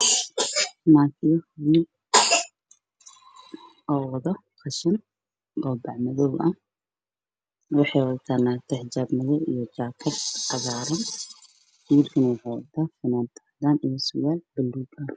Waa naag iyo nin wado qashin